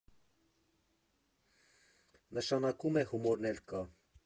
Նշանակում է՝ հումորն էլ կա։